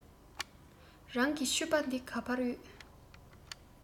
རང གི ཕྱུ པ དེ ག པར ཡོད